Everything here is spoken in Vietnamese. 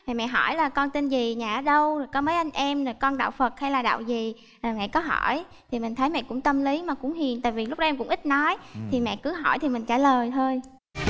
thì mẹ hỏi là con tên gì nhà ở đâu có mấy anh em con đạo phật hay là đạo gì mẹ có hỏi thì mình thấy mẹ cũng tâm lý mà cũng hiền tại vì lúc đó em cũng ít nói thì mẹ cứ hỏi thì mình trả lời thôi